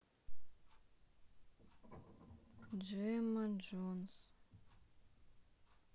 джемма джонс